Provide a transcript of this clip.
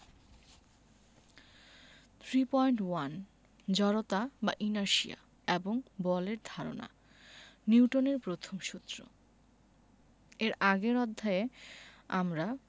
3.1 জড়তা বা ইনারশিয়া এবং বলের ধারণা নিউটনের প্রথম সূত্র এর আগের অধ্যায়ে আমরা